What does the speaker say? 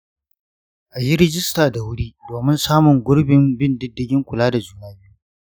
a yi rajista da wuri domin samun gurbin bin diddigin kula da juna biyu.